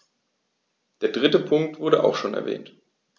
Der dritte Punkt wurde auch schon erwähnt.